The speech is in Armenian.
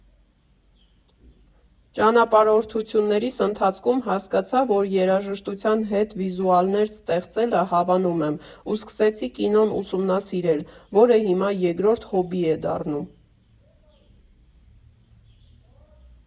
Ճանապարհորդություններիս ընթացքում հասկացա, որ երաժշտության հետ վիզուալներ ստեղծելը հավանում եմ ու սկսեցի կինոն ուսումնասիրել, որը հիմա երկրորդ հոբբի է դառնում։